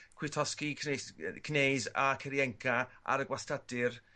Kwiatkowski, Knes- yy Kneys a Kiryienka ar y gwastadîr